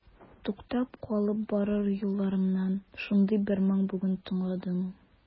Туктап калып барыр юлларымнан шундый бер моң бүген тыңладым.